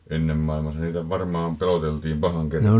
Ennen maailmassa niitä varmaan peloteltiin pahan kerran